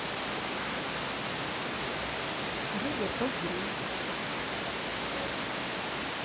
видео про зверей